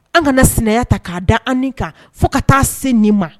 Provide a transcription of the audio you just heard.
An kana sɛnɛ ta k'a da an kan fo ka taa se nin ma